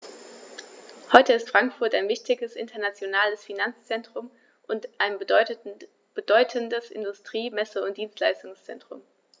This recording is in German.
Heute ist Frankfurt ein wichtiges, internationales Finanzzentrum und ein bedeutendes Industrie-, Messe- und Dienstleistungszentrum.